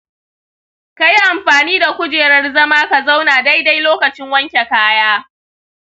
ka yi amfani da kujerar zama ka zauna daidai lokacin wanke kaya.